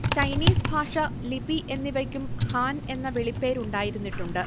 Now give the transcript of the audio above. Chinese ഭാഷ ലിപി എന്നിവയ്ക്കും ഹാൻ എന്ന വിളിപ്പേരുണ്ടായിരുന്നിട്ടുണ്ട്